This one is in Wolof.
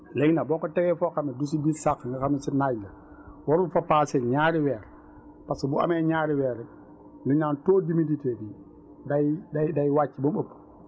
léegi nag boo ko tege foo xam ne du si biir sàq nga xam ne si naaj la waru fa passé ñaari weer parce que bu amee ñaari weer rekk li ñu naan taux d' humidité bi day day wàcc ba mu ëpp